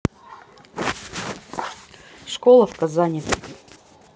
школа в казани